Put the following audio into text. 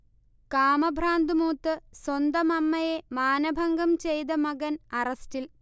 കാമഭ്രാന്ത് മൂത്ത് സ്വന്തം അമ്മയെ മാനഭംഗം ചെയ്ത മകൻ അറസ്റ്റിൽ